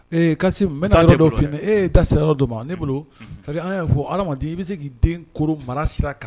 Ee kasi bɛale dɔ f e ta seyɔrɔ dɔ ma ne bolo an' fɔ alati i bɛ se k'i den koro mara sira kan